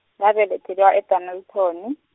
ngabelethelwa e- Dennilton.